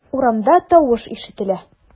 Урамда тавыш ишетелә.